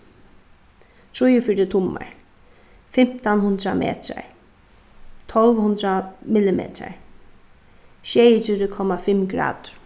trýogfjøruti tummar fimtan hundrað metrar tólv hundrað millimetrar sjeyogtretivu komma fimm gradir